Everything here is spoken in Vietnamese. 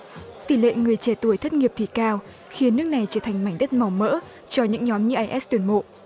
tỷ lệ người trẻ tuổi thất nghiệp thì cao khiến nước này trở thành mảnh đất màu mỡ cho những nhóm như ai ét tuyển mộ